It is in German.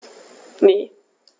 Ne.